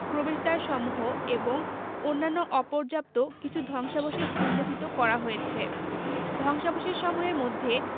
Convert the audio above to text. প্রবেশদ্বারসমূহ এবং অন্যান্য অপর্যাপ্ত কিছু ধ্বংসাবশেষ উন্মোচন করা হয়েছে ধ্বংসাবশেষসমূহের মধ্যে